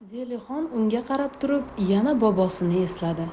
zelixon unga qarab turib yana bobosini esladi